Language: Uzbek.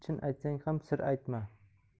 chin aytsang ham sir aytma